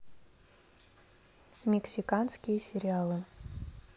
мексиканские сериалы